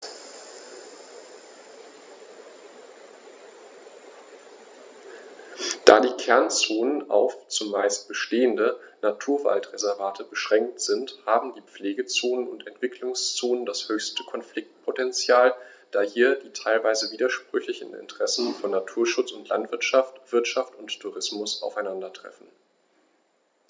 Da die Kernzonen auf – zumeist bestehende – Naturwaldreservate beschränkt sind, haben die Pflegezonen und Entwicklungszonen das höchste Konfliktpotential, da hier die teilweise widersprüchlichen Interessen von Naturschutz und Landwirtschaft, Wirtschaft und Tourismus aufeinandertreffen.